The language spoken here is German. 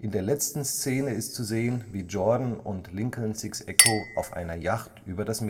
der letzten Szene ist zu sehen, wie Jordan und Lincoln Six Echo auf einer Yacht über das